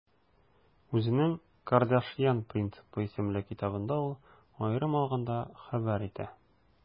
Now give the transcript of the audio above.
Үзенең «Кардашьян принципы» исемле китабында ул, аерым алганда, хәбәр итә: